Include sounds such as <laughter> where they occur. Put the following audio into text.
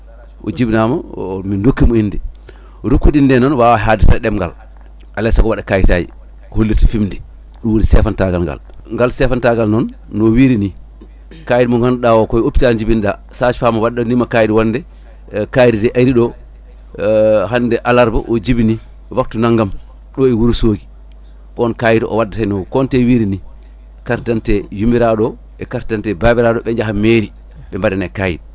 o jibinama o min dokkimo inde rokkude indede noon wawa hadde tan e ɗemgal alay saago waɗa kayitaji ko holliti fimde ɗum woni sefantagal ngal ngal sefantagal noon no wirini kayit mo ganduɗa o ko hôpital jibineɗa sage femme waɗanima kayit wonde kaari de ariɗo <hesitation> hande alarba o jibini waptu nanggam ɗo e Wourossogui on kayit o waddeteno Konté wirirni carte d' identité yummiraɗo o e carte d' identité babiraɗo ɓe jaaha mairie ɓe mbaɗane kayit